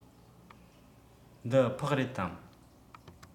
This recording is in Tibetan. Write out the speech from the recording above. འདི ཕག རེད དམ